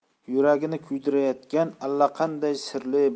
yuragini kuydirayotgan allaqanday sirli